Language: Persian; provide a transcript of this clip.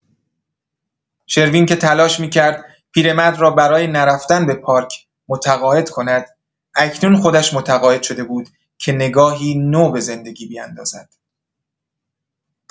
شروین که تلاش می‌کرد پیرمرد را برای نرفتن به پارک متقاعد کند، اکنون خودش متقاعد شده بود که نگاهی نو به زندگی بیندازد.